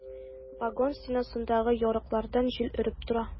Вагон стенасындагы ярыклардан җил өреп тора.